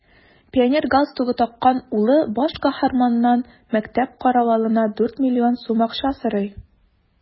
Пионер галстугы таккан улы баш каһарманнан мәктәп каравылына дүрт миллион сум акча сорый.